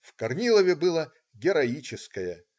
В Корнилове было "героическое".